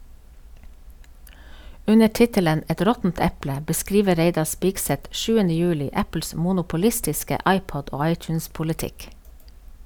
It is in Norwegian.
Under tittelen "Et råttent eple" beskriver Reidar Spigseth 7. juli Apples monopolistiske iPod- og iTunes-politikk.